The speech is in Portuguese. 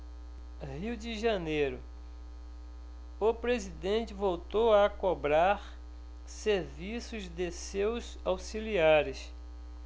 rio de janeiro o presidente voltou a cobrar serviço de seus auxiliares